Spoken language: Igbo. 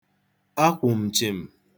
Akwụ m chịm.